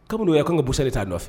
Kab' ye ko kan ka busɛn de t'a nɔfɛ